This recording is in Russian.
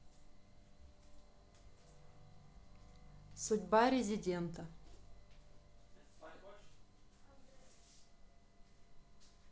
судьба резидента